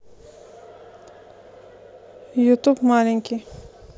ютуб маленький